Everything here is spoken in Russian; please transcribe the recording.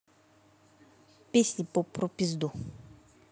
песни по про пизду